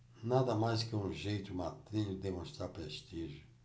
nada mais que um jeito matreiro de demonstrar prestígio